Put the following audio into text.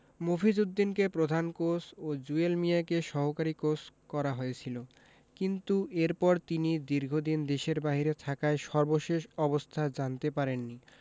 মফিজ উদ্দিনকে প্রধান কোচ ও জুয়েল মিয়াকে সহকারী কোচ করা হয়েছিল কিন্তু এরপর তিনি দীর্ঘদিন দেশের বাইরে থাকায় সর্বশেষ অবস্থা জানতে পারেননি